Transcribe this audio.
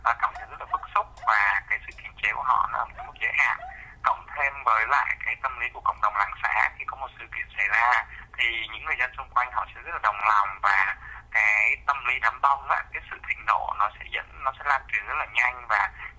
cảm thấy rất là bức xúc và họ hàng hoặc giới hạn cộng thêm với lại cái tâm lý của cộng đồng làng xã chỉ có một sự kiện xảy ra thì những người dân xung quanh họ sự đồng lòng và cái tâm lý đám đông lại hết sức nổ nó sẽ nó sẽ lan truyền rất là nhanh và